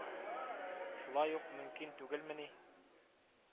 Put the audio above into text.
Шулай ук мөмкин түгелмени